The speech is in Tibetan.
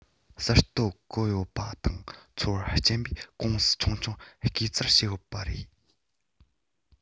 གསར གཏོད འགའ ཡོད པ དང ཚོར བ སྐྱེན པའི ཀུང སི ཆུང ཆུང སྐེ བཙིར བྱེད པ རེད